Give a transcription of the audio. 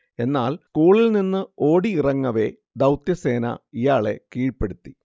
എന്നാൽ, സ്കൂളിൽനിന്ന് ഓടിയിറങ്ങവെ, ദൗത്യസേന ഇയാളെ കീഴ്പ്പെടുത്തി